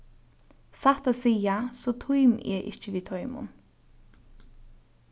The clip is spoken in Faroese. satt at siga so tími eg ikki við teimum